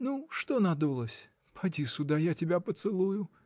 Ну что надулась: поди сюда, я тебя поцелую!